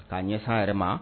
K'a ɲɛ san yɛrɛ ma